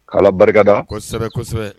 Ala barikada kosɛbɛ kosɛbɛ